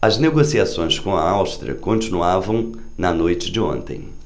as negociações com a áustria continuavam na noite de ontem